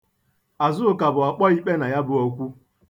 Azụka bụ ọkpọikpe na ya okwu.